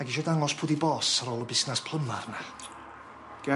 A isio dangos pw' di boss ar ôl y busnas plymar na.